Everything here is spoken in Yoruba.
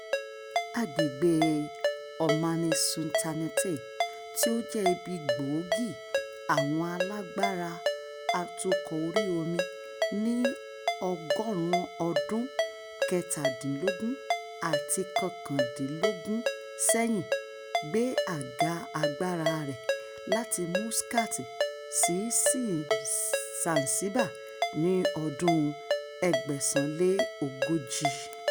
Agbègbèe Omani Sultanate, tí ó jẹ́ " ibi gbòógì àwọn alágbára atukọ̀ orí omi ní ọgọ́rùn-ún Ọdún-un kẹtàdínlógún sí kọkàndínlógún sẹ́yìn", gbé àga agbára rẹ̀ láti Muscat sí Zanzibar ní ọdún-un 1840.